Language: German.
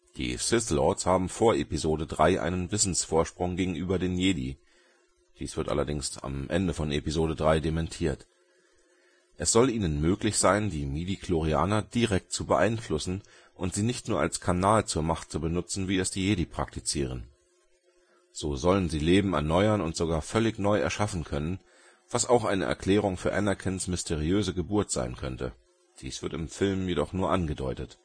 Die Sith-Lords haben vor Episode III einen Wissensvorsprung gegenüber den Jedi (Dies wird allerdings am Ende von Episode III dementiert): Es soll ihnen möglich sein, die Midi-Chlorianer direkt zu beeinflussen, und sie nicht nur als Kanal zur Macht zu benutzen, wie es die Jedi praktizieren. So sollen sie Leben erneuern und sogar völlig neu erschaffen können - was auch eine Erklärung für Anakins mysteriöse Geburt sein könnte (dies wird im Film jedoch nur angedeutet